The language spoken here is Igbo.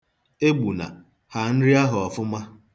Egbuna, haa nri ọfụma.